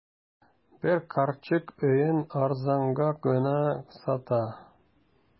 Бер карчык өен арзанга гына сата.